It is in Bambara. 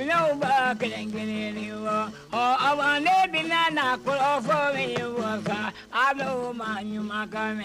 Ɲɔw ka kelen kelen bɔ den bɛ na kɔrɔfɔ min a ma ɲuman mɛn